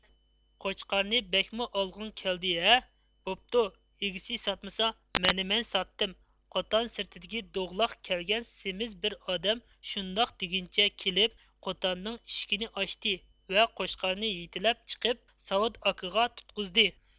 قوچقارنى بەكمۇ ئالغۇڭ كەلدى ھە بوپتۇ ئىگىسى ساتمىسا مانا مەن ساتتىم قوتان سىرتىدىكى دوغىلاق كەلگەن سېمىز بىر ئادەم شۇنداق دېگىنىچە كېلىپ قوتاننىڭ ئىشىكىنى ئاچتى ۋە قوچقارنى يېتىلەپ چىقىپ ساۋۇت ئاكىغا تۇتقۇزدى